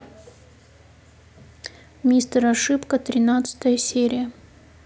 мистер ошибка тринадцатая серия